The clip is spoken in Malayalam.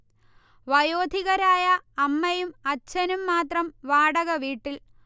വയോധികരായ അമ്മയും അച്ഛനും മാത്രം വാടക വീട്ടിൽ